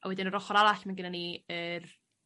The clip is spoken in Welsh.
A wedyn yr ochor arall ma' gennon ni yr